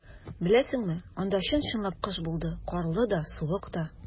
Беләсеңме, анда чын-чынлап кыш булды - карлы да, суык та.